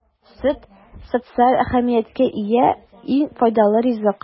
Сөт - социаль әһәмияткә ия иң файдалы ризык.